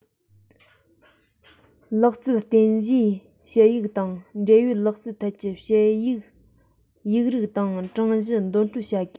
ལག རྩལ རྟེན གཞིའི དཔྱད ཡིག དང འབྲེལ ཡོད ལག རྩལ ཐད ཀྱི དཔྱད གཞིའི ཡིག རིགས དང གྲངས གཞི འདོན སྤྲོད བྱ དགོས